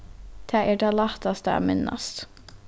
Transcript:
tað er tað lættasta at minnast